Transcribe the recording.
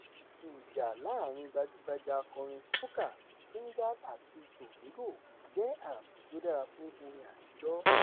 Ìjà láàárín gbajúgbajà akọrin soca Trinidad àti Tobago jẹ́ àmì tí ó dára fún orin àtijọ́